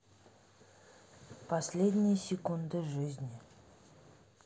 последние секунды жизни